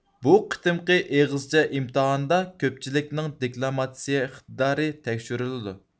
بۇ قېتىمقى ئېغىزچە ئىمتىھاندا كۆپچىلىكنىڭ دېكلاماتسىيە ئىقتىدارى تەكشۈرۈلىدۇ